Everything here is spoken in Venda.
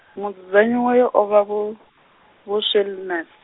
mudzudzanyi wayo o vha vho, Vho Schwellnus.